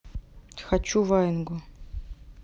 хочу ваенгу